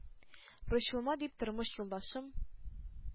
«борчылма, дип, тормыш юлдашым,